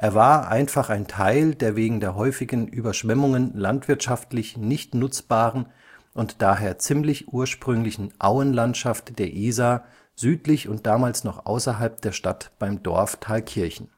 war einfach ein Teil der wegen der häufigen Überschwemmungen landwirtschaftlich nicht nutzbaren und daher ziemlich ursprünglichen Auenlandschaft der Isar südlich und damals noch außerhalb der Stadt beim Dorf Thalkirchen